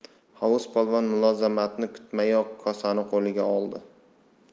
hovuz polvon mulozamatni kutmayoq kosani qo'liga oldi